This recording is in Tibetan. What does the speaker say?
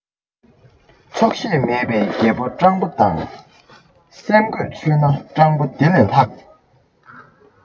ཆོག ཤེས མེད པའི རྒྱལ པོ སྤྲང པོ དང སེམས གོས ཆོད ན སྤྲང པོ དེ ལས ལྷག